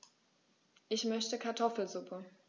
Ich möchte Kartoffelsuppe.